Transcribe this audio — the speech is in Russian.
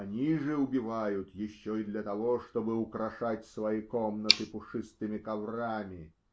они же убивают еще и для того, чтобы украшать свои комнаты пушистыми коврами